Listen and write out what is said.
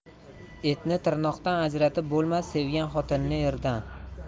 etni tirnoqdan ajratib bo'lmas sevgan xotinni erdan